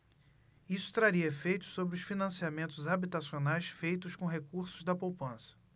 isso traria efeitos sobre os financiamentos habitacionais feitos com recursos da poupança